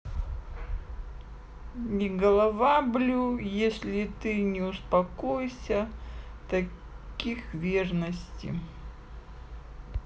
не голова блю если ты не успокойся таких верности